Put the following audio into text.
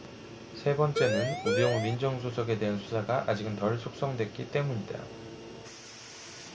세 번째는 우병우 민정수석에 대한 수사가 아직은 덜 숙성됐기 때문이다